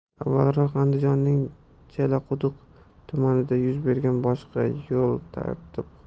avvalroq andijonning jalaquduq tumanida yuz bergan